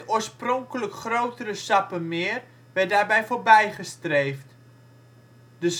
oorspronkelijk grotere Sappemeer werd daarbij voorbijgestreefd. De scheepsbouw